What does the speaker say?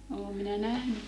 olen minä nähnyt